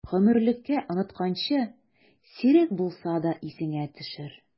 Гомерлеккә онытканчы, сирәк булса да исеңә төшер!